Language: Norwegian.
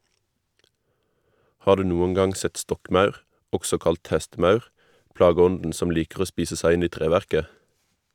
Har du noen gang sett stokkmaur, også kalt hestemaur, plageånden som liker å spise seg inn i treverket?